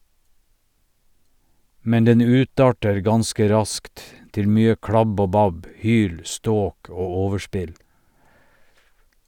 Men den utarter ganske raskt, til mye klabb og babb, hyl, ståk og overspill.